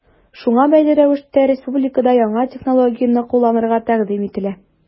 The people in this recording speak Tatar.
Шуңа бәйле рәвештә республикада яңа технологияне кулланырга тәкъдим ителә.